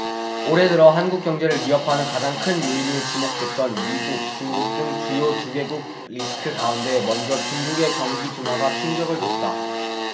올해 들어 한국 경제를 위협하는 가장 큰 요인으로 지목됐던 미국 중국 등 주요 두 개국 리스크 가운데 먼저 중국의 경기 둔화가 충격을 줬다